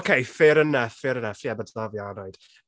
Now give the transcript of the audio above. Okay, fair enough, fair enough, yeah, mae 'da fi annwyd.